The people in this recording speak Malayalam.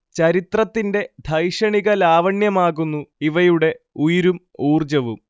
ചരിത്രത്തിന്റെ ധൈഷണിക ലാവണ്യമാകുന്നു ഇവയുടെ ഉയിരും ഊർജ്ജവും